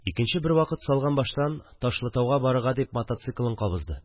Икенче бер вакыт салган баштан Ташлытауга барырга дип мотоциклын кабызды